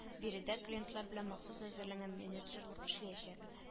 Биредә клиентлар белән махсус әзерләнгән менеджерлык эшләячәк